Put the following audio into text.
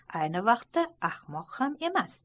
ayni vaqtda ahmoq ham emas